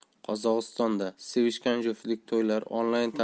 qozog'istonda sevishgan juftlik to'ylarini